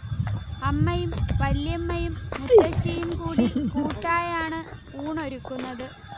അമ്മയും വല്യമ്മയും മുത്തശ്ശിയും കൂടി കൂട്ടായാണ് ഊണൊരുക്കുന്നത്